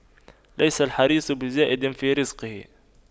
ليس الحريص بزائد في رزقه